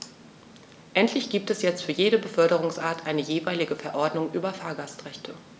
Endlich gibt es jetzt für jede Beförderungsart eine jeweilige Verordnung über Fahrgastrechte.